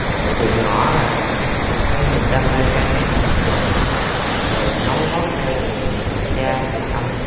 ngày từ nhỏ là cái niềm đam mê ca hát là từ nhỏ lận rồi nối gót theo người cha người ông